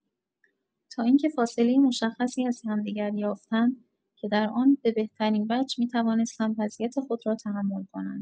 تا اینکه فاصلۀ مشخصی از همدیگر یافتند که در آن به بهترین وجه می‌توانستند وضعیت خود را تحمل کنند.